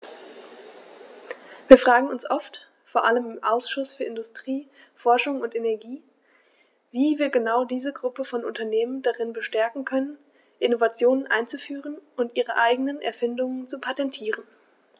Wir fragen uns oft, vor allem im Ausschuss für Industrie, Forschung und Energie, wie wir genau diese Gruppe von Unternehmen darin bestärken können, Innovationen einzuführen und ihre eigenen Erfindungen zu patentieren.